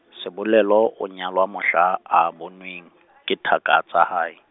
sebolelo o nyalwa mohla a bonweng ke thaka, tsa hae.